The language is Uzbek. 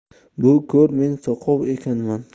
bu ko'r men soqov ekanman